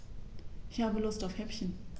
Ich habe Lust auf Häppchen.